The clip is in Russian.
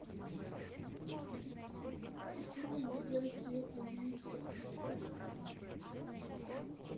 открой библиотеку видео